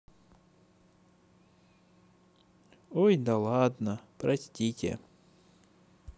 ой да ладно простите